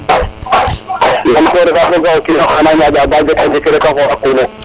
yam ko refa ko ga o kinaxa na ñaƴaƴ a jeki a jeki rek a fola tuɗu